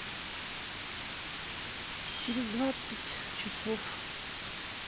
через двадцать часов